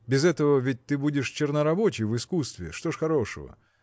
Без этого ведь ты будешь чернорабочий в искусстве – что ж хорошего?